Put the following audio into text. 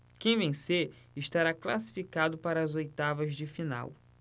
quem vencer estará classificado para as oitavas de final